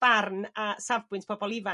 barn a safbwynt pobol ifanc.